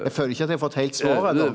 eg føler ikkje at eg har fått heilt svar ennå.